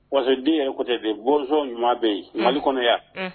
Parce que den yɛrɛtɛbe bosɔn ɲuman bɛ yen mali kɔnɔya